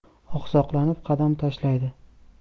oqsoqlanib qadam tashlaydi